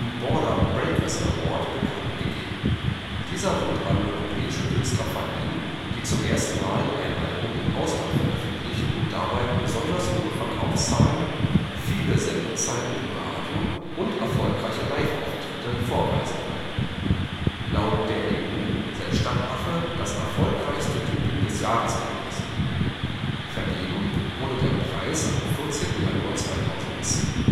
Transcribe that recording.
Border Breakers Awards bekannt gegeben. Dieser wird an europäische Künstler verliehen, die zum ersten Mal ein Album im Ausland veröffentlichen und dabei besonders hohe Verkaufszahlen, viele Sendezeiten im Radio und erfolgreiche Live-Auftritte vorweisen können. Laut der EU sei Stadtaffe das erfolgreichste Debüt des Jahres gewesen. Vergeben wurde der Preis am 14. Januar 2010